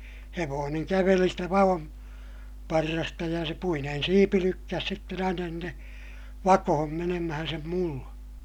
hevonen käveli sitä - vaonparrasta ja se puinen siipi lykkäsi sitten aina sinne vakoon menemään sen mullan